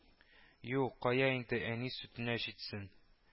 Юк, кая инде әни сөтенә җитсен